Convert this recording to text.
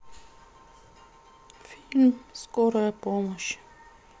фильм скорая помощь